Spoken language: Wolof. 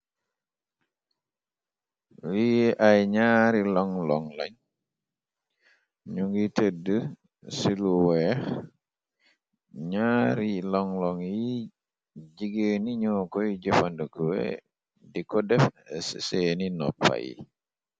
Lii ay ñaari long long lang ñyu ngi tëdd ci lu weex ñaari longlong yi jigéeni nyor koy jëfandekuee di ko def seeni noppa yi.